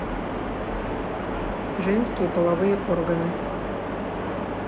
женские половые органы